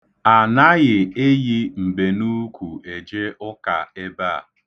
A naghị eyi mbenuukwu eje ụka ebe a.